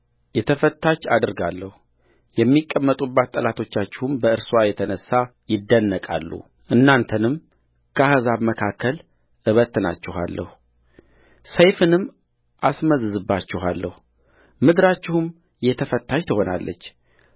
የተፈታች አደርጋለሁ የሚቀመጡባት ጠላቶቻችሁም በእርስዋ የተነሣ ይደነቃሉእናንተንም ከአሕዛብ መካከል እበትናችኋለሁ ሰይፍንም አስመዝዝባችኋለሁ ምድራችሁም የተፈታች ትሆናለች